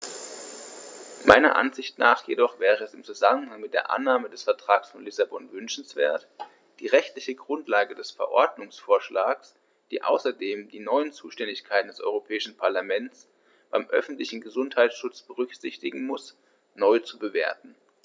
Meiner Ansicht nach jedoch wäre es im Zusammenhang mit der Annahme des Vertrags von Lissabon wünschenswert, die rechtliche Grundlage des Verordnungsvorschlags, die außerdem die neuen Zuständigkeiten des Europäischen Parlaments beim öffentlichen Gesundheitsschutz berücksichtigen muss, neu zu bewerten.